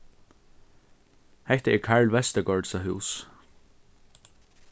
hetta er karl vestergaardsa hús